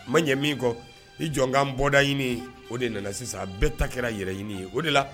Ma ɲɛ min kɔ ni jɔnkan bɔrada ɲini o de nana sisan a bɛɛ ta kɛra yɛrɛɲini ye o de la